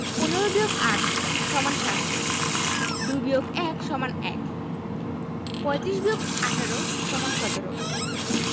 ১৫ বিয়োগ ৮ সমান ৭ ২ বিয়োগ ১ সমান১ ৩৫ বিয়োগ ১৮ সমান ১৭